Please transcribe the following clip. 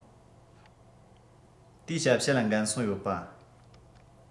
དེའི ཞབས ཞུ ལ འགན སྲུང ཡོད པ